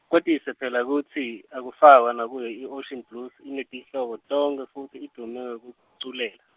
kwatise phela kutsi alufakwa nakuyo i- Ocean Blues inetinhlobo tonkhe futsi idvume ngekuguculela.